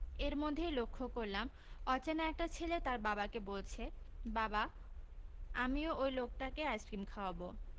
এর মধ্যেই লক্ষ্য করলাম অচেনা একটা ছেলে তার বাবাকে বলছে বাবা আমিও ঐ লোকটাকে আইসক্রিম খাওযাব